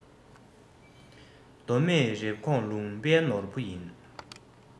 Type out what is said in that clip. མདོ སྨད རེབ གོང ལུང པའི ནོར བུ ཡིན